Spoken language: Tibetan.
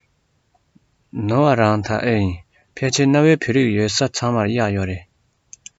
ནོར བ རང ད ཨེ ཡིན ཕལ ཆེར གནའ བོའི བོད རིགས ཡོད ས ཚང མར གཡག ཡོད རེད ཟེར བ དེ དང ནོར བ མིན འགྲོ